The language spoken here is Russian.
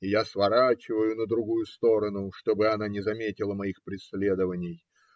и я сворачиваю на другую сторону, чтобы она не заметила моих преследований.